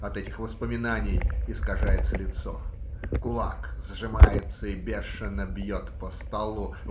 От этих воспоминаний искажается лицо, кулак сжимается и бешено бьет по столу.